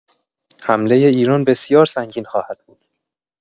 حمله ایران بسیار سنگین خواهد بود!